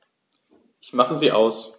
Ich mache sie aus.